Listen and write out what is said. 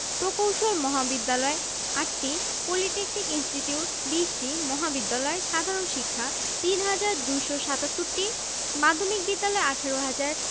খ্রিস্টান ০দশমিক ৫ শতাংশ অন্যান্য ০দশমিক ১ শতাংশ ভাষাঃ রাষ্ট্রীয় ভাষা বাংলা প্রায় ৯৯দশমিক ৫শতাংশ মানুষ বাংলা ভাষায় কথা বলে